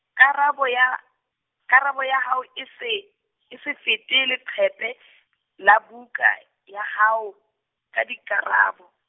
karabo ya, karabo ya hao e se, e se fete leqephe , la buka, ya hao, ya dikarabo.